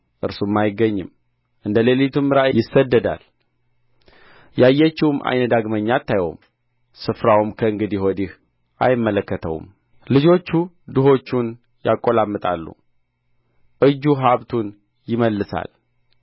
እርሱም አይገኝም እንደ ሌሊትም ራእይ ይሰደዳል ያየችውም ዓይን ዳግመኛ አታየውም ስፍራውም ከእንግዲህ ወዲህ አይመለከተውም ልጆቹ ድሆቹን ያቈላምጣሉ እጁ ሀብቱን ይመልሳል